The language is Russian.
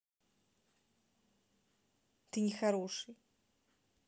ты нехороший